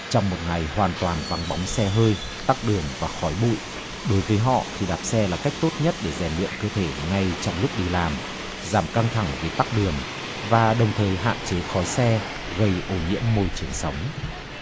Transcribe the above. trong một ngày hoàn toàn vắng bóng xe hơi tắc đường và khói bụi đối với họ thì đạp xe là cách tốt nhất để rèn luyện cơ thể ngay trong lúc đi làm giảm căng thẳng vì tắc đường và đồng thời hạn chế khói xe gây ô nhiễm môi trường sống